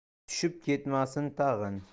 tushib ketmasin tag'in